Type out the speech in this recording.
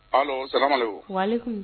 Anw sa kun